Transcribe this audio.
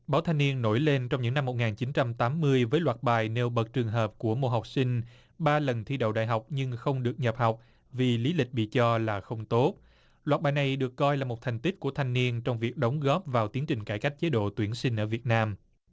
báo thanh niên nổi lên trong những năm một ngàn chín trăm tám mươi với loạt bài nêu bật trường hợp của một học sinh ba lần thi đậu đại học nhưng không được nhập học vì lý lịch bị cho là không tốt loạt bài này được coi là một thành tích của thanh niên trong việc đóng góp vào tiến trình cải cách chế độ tuyển sinh ở việt nam